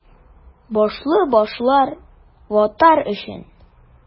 Башлы башлар — ватар өчен!